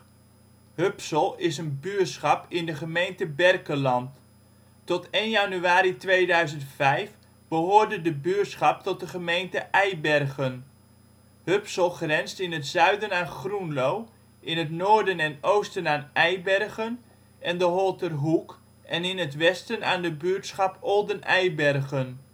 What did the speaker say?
Hupsel is een buurschap in de gemeente Berkelland. Tot 1 januari 2005 behoorde de buurschap tot de gemeente Eibergen. Hupsel grenst in het zuiden aan Groenlo, in het noorden en oosten aan Eibergen en de Holterhoek en in het westen aan de buurtschap Olden Eibergen